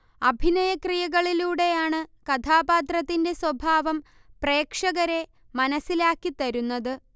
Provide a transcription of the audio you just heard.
അഭിനയ ക്രിയകളിലൂടെയാണ് കഥാപാത്രത്തിന്റെ സ്വഭാവം പ്രേക്ഷകരെ മനസ്സിലാക്കിതരുന്നത്